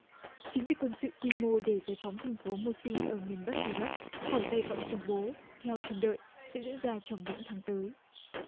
chiến dịch quân sự quy mô để giải phóng thành phố mô xun ở miền bắc i rắc khỏi tay bọn khủng bố theo trông đợi sẽ diễn ra trong những tháng tới